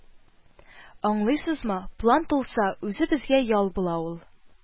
Аңлыйсызмы, план тулса, үзе безгә ял була ул